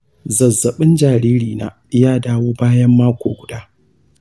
zazzaɓin jaririna ya dawo bayan mako guda.